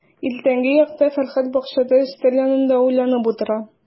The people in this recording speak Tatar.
Иртәнге якта Фәрхәт бакчада өстәл янында уйланып утыра.